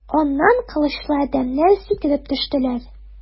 Аннан кылычлы адәмнәр сикереп төштеләр.